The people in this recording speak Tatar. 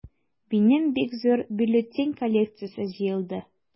Минем бик зур бюллетень коллекциясе җыелды.